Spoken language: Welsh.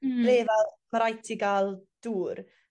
Hmm. Le fel ma' raid ti ga'l dŵr.